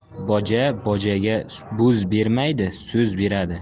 boja bojaga bo'z bermaydi so'z beradi